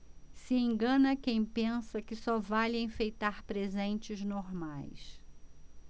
se engana quem pensa que só vale enfeitar presentes normais